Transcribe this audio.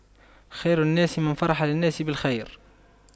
خير الناس من فرح للناس بالخير